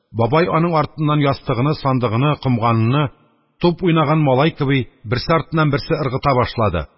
Бабай аның артыннан ястыгыны, сандыгыны, комганыны, туп уйнаган малай кеби, берсе артыннан берсене ыргыта башлады.